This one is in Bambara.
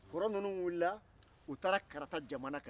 u taara karata jamana kan